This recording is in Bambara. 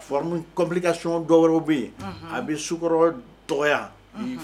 Forme complication dɔ wɛrɛw be ye unhun a be sukɔrɔ dɔgɔya